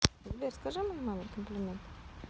сбер скажи моей маме комплимент